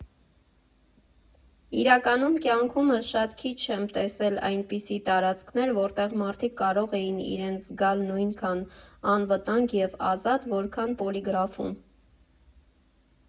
Իրականում, կյանքումս շատ քիչ եմ տեսել այնպիսի տարածքներ, որտեղ մարդիկ կարող էին իրենց զգալ նույնքան անվտանգ և ազատ, որքան Պոլիգրաֆում։